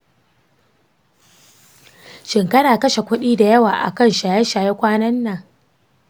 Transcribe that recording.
shin kana kashe kuɗi da yawa akan shaye-shaye kwanan nan?